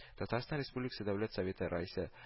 Татарстан Республикасы Дәүләт Советы Раисе